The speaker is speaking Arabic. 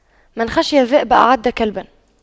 من خشى الذئب أعد كلبا